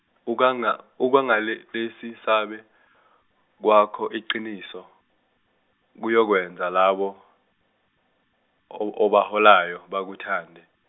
ukanga- ukungale- lesisabi kwakho iqiniso, kuyokwenza labo, o- obaholayo bakuthande.